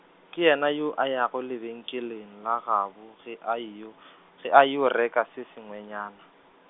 ke yena yoo a yago lebenkeleng la gabo ge a yeo , ge a yeo reka se sengwenyana .